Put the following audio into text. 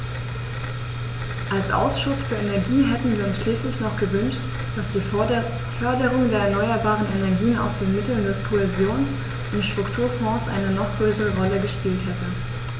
Als Ausschuss für Energie hätten wir uns schließlich noch gewünscht, dass die Förderung der erneuerbaren Energien aus den Mitteln des Kohäsions- und Strukturfonds eine noch größere Rolle gespielt hätte.